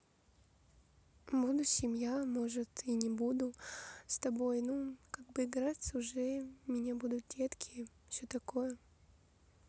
буду семья может и не буду с тобой ну как бы играться уже меня будут детки все такое